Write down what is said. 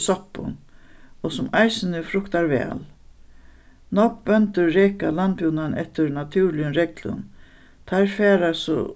og soppum og sum eisini fruktar væl nógv bøndur reka landbúnaðin eftir natúrligum reglum teir fara so